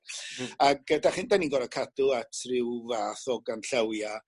Hmm. Ag y 'dach hyn 'dan ni'n gor'o' cadw at ryw fath o ganllawia